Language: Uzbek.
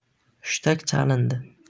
hushtak chalindi